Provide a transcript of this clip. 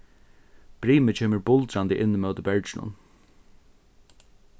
brimið kemur buldrandi inn ímóti berginum